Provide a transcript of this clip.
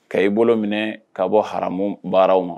Ka'i bolo minɛ ka bɔ hamu baararaww ma